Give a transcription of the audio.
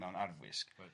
mewn arfwisg... Reit....